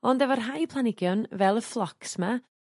Ond efo rhai planhigion fel y phlox 'ma